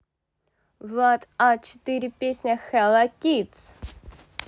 влад а четыре песня hella kidz